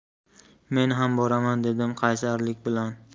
men ham boraman dedim qaysarlik bilan